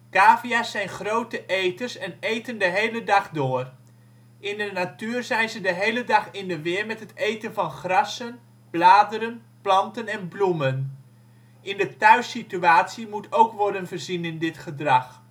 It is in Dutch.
Cavia 's zijn grote eters en eten de hele dag door. In de natuur zijn ze de hele dag in de weer met het eten van grassen, bladeren, planten en bloemen. In de thuissituatie moet ook worden voorzien in dit gedrag